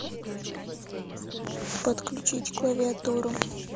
подключить клавиатуру